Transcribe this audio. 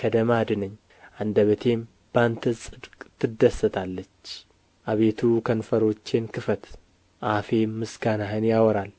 ከደም አድነኝ አንደበቴም በአንተ ጽድቅ ትደሰታለች አቤቱ ከንፈሮቼን ክፈት አፌም ምስጋናህን ያወራል